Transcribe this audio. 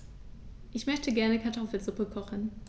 Ich möchte gerne Kartoffelsuppe kochen.